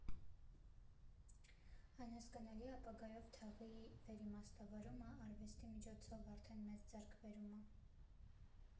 Անհասկանալի ապագայով թաղի վերիմաստավորումը արվեստի միջոցով արդեն մեծ ձեռքբերում ա»։